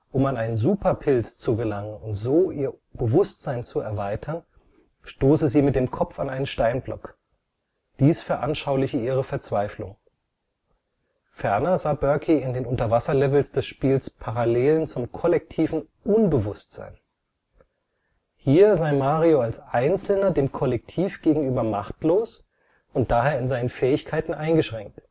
Um an einen Super-Pilz zu gelangen und so ihr Bewusstsein zu erweitern, stoße sie mit dem Kopf an einen Steinblock. Dies veranschauliche ihre Verzweiflung. Ferner sah Berke in den Unterwasser-Levels des Spiels Parallelen zum kollektiven Unbewussten. Hier sei Mario als einzelner dem Kollektiv gegenüber machtlos und daher in seinen Fähigkeiten eingeschränkt